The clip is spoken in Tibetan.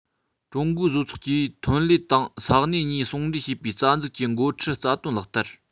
ཀྲུང གོའི བཟོ ཚོགས ཀྱིས ཐོན ལས དང ས གནས གཉིས ཟུང འབྲེལ བྱེད པའི རྩ འཛུགས ཀྱི འགོ ཁྲིད རྩ དོན ལག བསྟར